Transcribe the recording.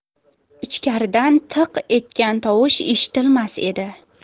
ichkaridan tiq etgan tovush eshitilmas edi